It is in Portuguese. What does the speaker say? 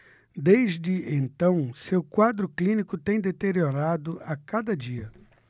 desde então seu quadro clínico tem deteriorado a cada dia